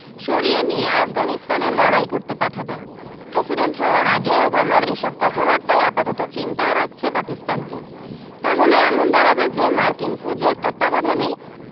সরিয়ে নিয়ে আফগানিস্তানে লড়াই করতে পাঠাবেন প্রেসিডেন্ট হওয়ার আগে ওবামার এইসব কথাবার্তাই আপাতত চিন্তায় রাখছে পাকিস্তানকে তাহলে এমন দাঁড়াবে যে মার্কিন ফুজের তত্ত্বাবধানেই